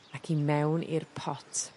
ac i mewn i'r pot